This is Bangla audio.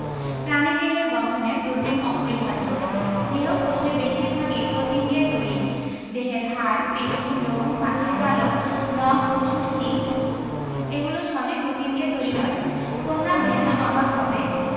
প্রাণীদেহের গঠনে প্রোটিন অপরিহার্য দেহকোষের বেশির ভাগই প্রোটিন দিয়ে তৈরি দেহের হাড় পেশি লোম পাখির পালক নখ পশুর শিং এগুলো সবই প্রোটিন দিয়ে তৈরি হয় তোমরা জেনে অবাক হবে